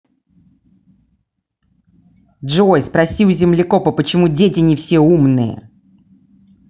джой спроси у землекопа почему дети не все умные